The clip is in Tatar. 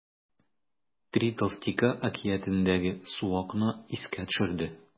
“три толстяка” әкиятендәге суокны искә төшерде.